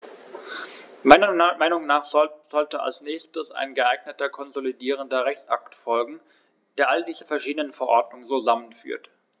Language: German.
Meiner Meinung nach sollte als nächstes ein geeigneter konsolidierender Rechtsakt folgen, der all diese verschiedenen Verordnungen zusammenführt.